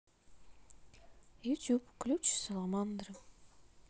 ютуб ключ саламандры